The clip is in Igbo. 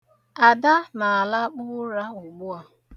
Ada na-alakpu ụra ugbu a.